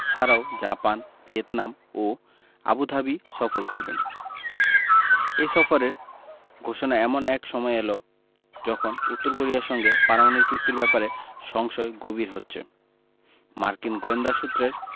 ছাড়াও Japan Vietnam ও Abu Dhabi সফর করবেন এই সফরের ঘোষণা এমন এক সময়ে এল যখন উত্তর কোরিয়ার সঙ্গে পারমাণবিক চুক্তির ব্যাপারে সংশয় গভীর হচ্ছে মার্কিন গোয়েন্দা সূত্রের